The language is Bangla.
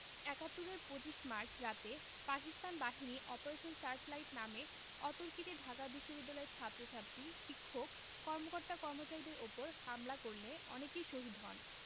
৭১ এর ২৫ মার্চ রাতে পাকিস্তান বাহিনী অপারেশন সার্চলাইট নামে অতর্কিতে ঢাকা বিশ্ববিদ্যালয়ের ছাত্রছাত্রী শিক্ষক কর্মকর্তা কর্মচারীদের উপর হামলা করলে অনেকে শহীদ হন